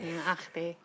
Hmm a chdi.